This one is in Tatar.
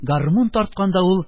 Гармун тарткан да ул,